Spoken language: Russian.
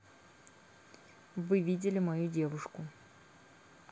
вы видели мою девушку